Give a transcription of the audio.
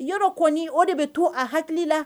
Yɔrɔ ko o de bɛ to a hakili la